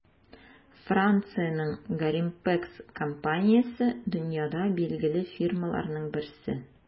Франциянең Gorimpex компаниясе - дөньяда билгеле фирмаларның берсе.